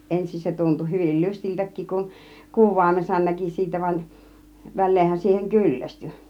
ensin se tuntui hyvin lystiltäkin kun kuvaimensa näki siitä vaan väleenhän siihen kyllästyi